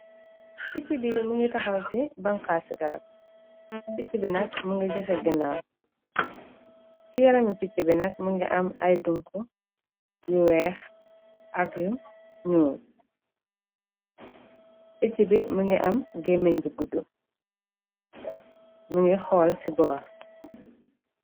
Pitchi bi më ngi taxaw ci banxaal ci garab picc bi nakk më ngi joxe ginnaam ci yarami picc bi nak më ngi am ay dunku yu weex ag ñuu picc bi më ngi am gémen ti gudd mu ngi xool ci boor.